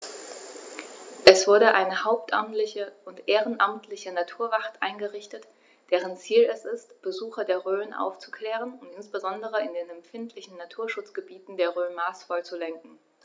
Es wurde eine hauptamtliche und ehrenamtliche Naturwacht eingerichtet, deren Ziel es ist, Besucher der Rhön aufzuklären und insbesondere in den empfindlichen Naturschutzgebieten der Rhön maßvoll zu lenken.